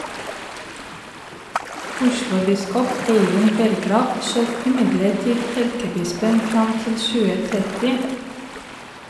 Oslobiskop Eivind Berggrav skjøv imidlertid erkebispen fram til 2030.